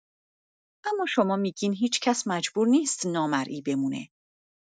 اما شما می‌گین هیچ‌کس مجبور نیست نامرئی بمونه.